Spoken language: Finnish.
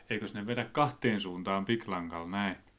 eikös ne vedä kahteen suuntaan pikilangalla näin